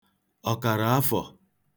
ọ̀kàrà afọ̀